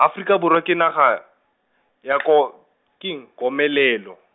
Afrika Borwa ke naga, ya ko-, ke eng, komelelo.